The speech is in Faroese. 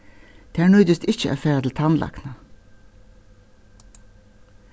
tær nýtist ikki at fara til tannlækna